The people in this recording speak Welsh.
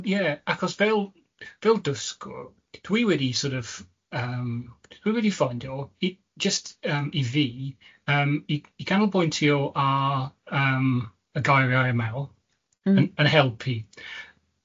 Yeah, achos fel, fel dysgwr dwi wedi sor' of yym... Dwi wedi ffeindio i jyst yym, i fi, yym i i canolbwyntio ar yym y geiriau maw'... Mm... yn helpu.